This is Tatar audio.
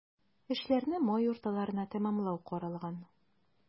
Эшләрне май урталарына тәмамлау каралган.